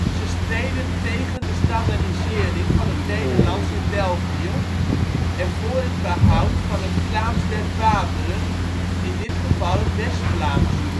Ze streden tegen de standaardisering van het Nederlands in België en voor het behoud van het Vlaams der Vaderen, in dit geval het West-Vlaams